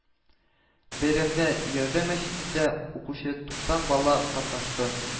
Бәйрәмдә Ярдәм мәчетендә укучы туксан бала катнашты